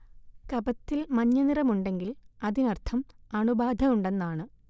കഫത്തിൽ മഞ്ഞനിറം ഉണ്ടെങ്കിൽ അതിനർഥം അണുബാധ ഉണ്ടെന്നാണ്